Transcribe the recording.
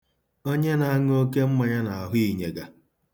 Onye na-aṅụ oke mmanya na-ahụ inyege.